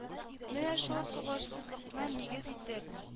Менә шул сугышсызлыкны нигез итеп